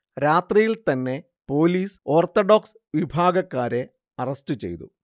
രാത്രിയിൽതന്നെ police orthodox വിഭാഗക്കാരെ arrest ചെയ്തു